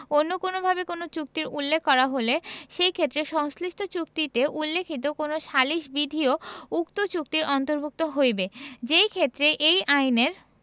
অন্য কোনভাবে কোন চুক্তির উল্লেখ করা হলে সেই ক্ষেত্রে সংশ্লিষ্ট চুক্তিতে উল্লেখিত কোন সালিস বিধিও উক্ত চুক্তির অন্তর্ভুক্ত হইবে যেইক্ষেত্রে এই আইনের